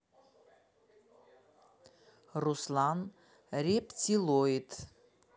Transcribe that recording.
руслан рептилоид